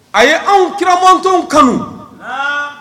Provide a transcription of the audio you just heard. A ye anw kira mantw kanu